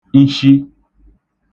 nshi